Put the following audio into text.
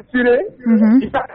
Un un